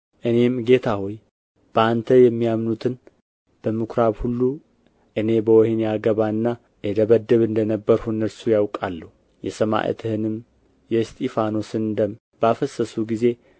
እኔም ጌታ ሆይ በአንተ የሚያምኑትን በምኵራብ ሁሉ እኔ በወኅኒ አገባና እደበድብ እንደ ነበርሁ እነርሱ ያውቃሉ የሰማዕትህንም የእስጢፋኖስን ደም ባፈሰሱ ጊዜ